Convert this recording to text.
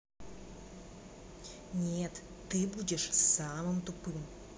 нет ты будешь самым тупым